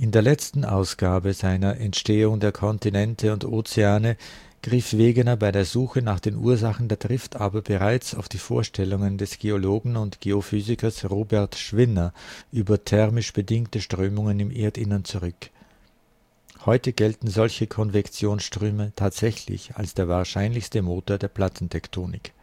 der letzten Ausgabe seiner Entstehung der Kontinente und Ozeane griff Wegener bei der Suche nach den Ursachen der Drift aber bereits auf die Vorstellungen des Geologen und Geophysikers Robert Schwinner über thermisch bedingte Strömungen im Erdinnern zurück. Heute gelten solche Konvektionsströme tatsächlich als der wahrscheinlichste Motor der Plattentektonik